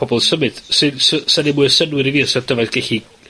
...pobl yn symud sy'n so, 'sa'n neud mwy o synwyr i fi os odd dyfais gellu